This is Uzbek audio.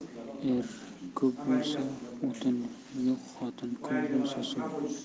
er ko'p bo'lsa o'tin yo'q xotin ko'p bo'lsa suv